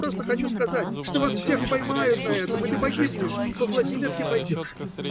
Я просто хочу сказать, что вас всех поймают на этом, и ты погибнешь, по Владимирке пойдешь.